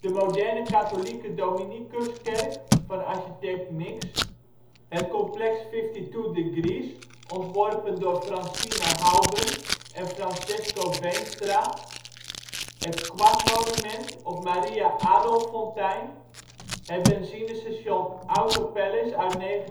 moderne katholieke Dominicuskerk van architect Th. Nix Het complex FiftyTwoDegrees ontworpen door Francine Houben en Francesco Veenstra Het Quack-monument of Maria-Adolffontein Het Benzinestation Auto Palace uit 1936